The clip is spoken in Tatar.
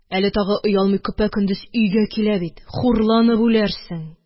Әле тагы, оялмый, көпә-көндез өйгә килә бит, хурланып үләрсең,